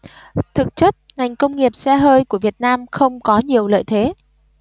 thực chất ngành công nghiệp xe hơi của việt nam không có nhiều lợi thế